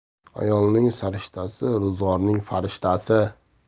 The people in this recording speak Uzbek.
ayolning sarishtasi ro'zg'orning farishtasi